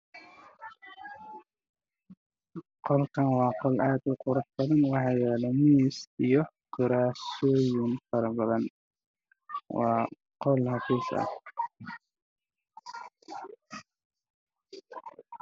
Waa meel qol ah haya al kuraas iyo miisaas aada fara badan waana caddaan darbiyada waa cadays